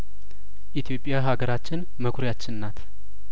ኢትዮጵያ ሀገራችን መኩሪያችን ናት